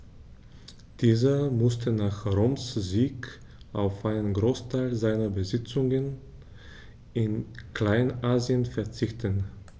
Dieser musste nach Roms Sieg auf einen Großteil seiner Besitzungen in Kleinasien verzichten.